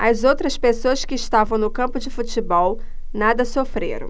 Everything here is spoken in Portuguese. as outras pessoas que estavam no campo de futebol nada sofreram